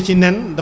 ci ban forme